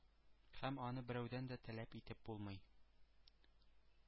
Һәм аны берәүдән дә таләп итеп тә булмый.